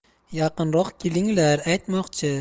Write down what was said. yaqinroq kelinglar aytmoqchi